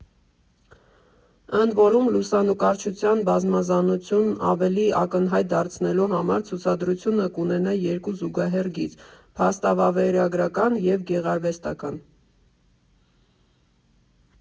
Ընդ որում, լուսանկարչության բազմազանությունն ավելի ակնհայտ դարձնելու համար ցուցադրությունը կունենա երկու զուգահեռ գիծ՝ փաստավավերագրական և գեղարվեստական։